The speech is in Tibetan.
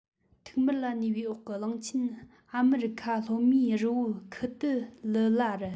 ཐིག དམར ལ ཉེ བའི འོག གི གླང ཆེན ཨ མེ རི ཁ ལྷོ མའི རི བོ ཁེ སྡི ལི ལ རུ